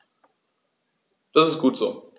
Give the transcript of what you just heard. Das ist gut so.